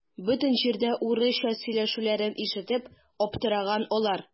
Бөтен җирдә урысча сөйләшүләрен ишетеп аптыраган алар.